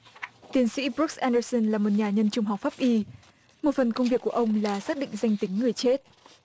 tiến sĩ búc a đơ xần là một nhà nhân chủng học pháp y một phần công việc của ông là xác định danh tính người chết